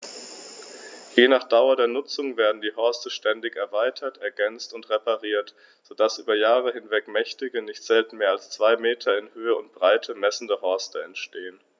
Je nach Dauer der Nutzung werden die Horste ständig erweitert, ergänzt und repariert, so dass über Jahre hinweg mächtige, nicht selten mehr als zwei Meter in Höhe und Breite messende Horste entstehen.